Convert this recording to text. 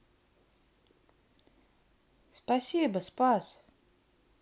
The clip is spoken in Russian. спасибо спас